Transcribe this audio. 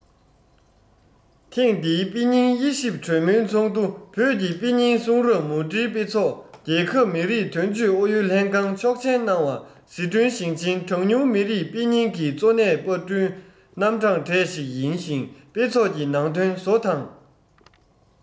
ཐེངས འདིའི དཔེ རྙིང དབྱེ ཞིབ གྲོས མོལ ཚོགས འདུ བོད ཀྱི དཔེ རྙིང གསུང རབ མུ འབྲེལ དཔེ ཚོགས རྒྱལ ཁབ མི རིགས དོན གཅོད ཨུ ཡོན ལྷན ཁང ཆོག མཆན གནང བ སི ཁྲོན ཞིང ཆེན གྲངས ཉུང མི རིགས དཔེ རྙིང གི གཙོ གནད པར སྐྲུན རྣམ གྲངས གྲས ཤིག ཡིན ཞིང དཔེ ཚོགས ཀྱི ནང དོན བཟོ དང